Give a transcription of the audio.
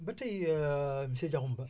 ba tay monsieur Diakhoumpa